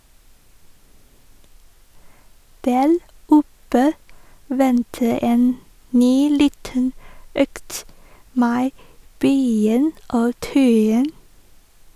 Der oppe venter en ny liten økt med bøying og tøying.